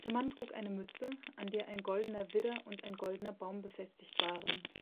Mann trug eine Mütze, an der ein goldener Widder und ein goldener Baum befestigt waren